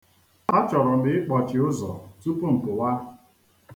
Achọrọ m ịkpọchi ụzọ tupu m pụwa.